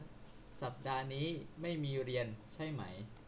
สัปดาห์นี้ไม่มีเรียนใช่ไหม